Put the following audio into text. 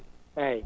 eeyi